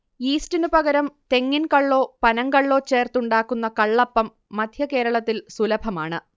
യീസ്റ്റിനു പകരം തെങ്ങിൻ കള്ളോ പനങ്കള്ളോ ചേർത്ത് ഉണ്ടാക്കുന്ന കള്ളപ്പം മധ്യകേരളത്തിൽ സുലഭമാണ്